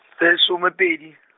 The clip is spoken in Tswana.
tse some pedi .